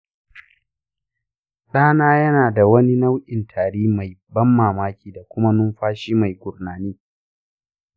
ɗana yana da wani nau'in tari mai ban mamaki da kuma numfashi mai gurnani